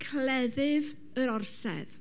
Cleddyf yr orsedd.